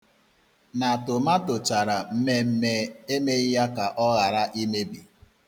Na tomato chara mmeemme emeghị ya ka ọ ghara imebi.